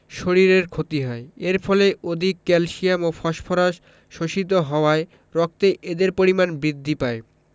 শরীরের ক্ষতি হয় এর ফলে অধিক ক্যালসিয়াম ও ফসফরাস শোষিত হওয়ায় রক্তে এদের পরিমাণ বৃদ্ধি পায়